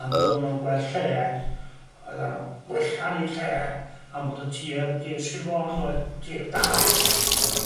Am bod o'n n'w'n gwell lle oeddan n'w gwella'n eu lle am bod y tir, tir Sir Fôn doedd? Tir da 'de?